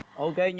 ô kê nhọ